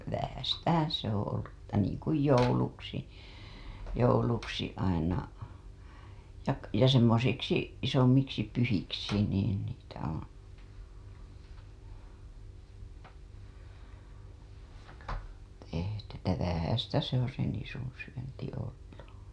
vähäistähän se on ollut että niin kuin jouluksi jouluksi aina ja - ja semmoisiksi isommiksi pyhiksi niin niitä ole tehty että vähäistä se on se nisun syönti ollut